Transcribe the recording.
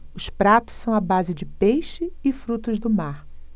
os pratos são à base de peixe e frutos do mar